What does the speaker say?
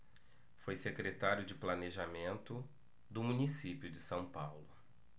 foi secretário de planejamento do município de são paulo